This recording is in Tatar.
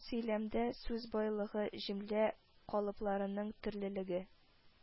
Сөйлəмдə сүз байлыгы, җөмлə калыпларының төрлелеге